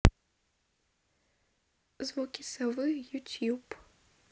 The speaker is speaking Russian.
звуки совы ютюб